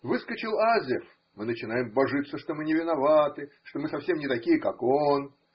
Выскочил Азеф – мы начинаем божиться, что мы не виноваты, что мы совсем не такие, как он.